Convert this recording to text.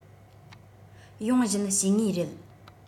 ཡོང བཞིན བཤས ངེས རེད